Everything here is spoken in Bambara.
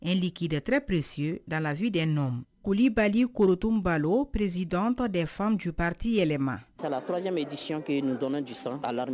Li kkiidatere pressi da lafid nɔ koli bali korooroon bali pressitɔntɔn defan juptiyɛlɛma